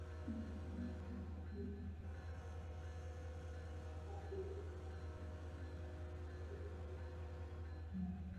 Halkaan waxa ka muuqdo boombale madaw ah haaf ah oo dahab qoorta ugu jiro